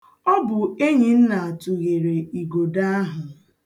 Ọ bụ Enyinna tụghere igodo ahụ.